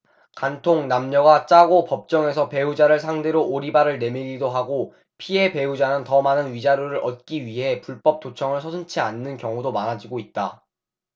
간통 남녀가 짜고 법정에서 배우자를 상대로 오리발을 내밀기도 하고 피해 배우자는 더 많은 위자료를 얻기 위해 불법 도청을 서슴지 않는 경우도 많아지고 있다